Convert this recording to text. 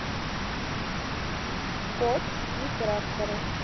кот и трактора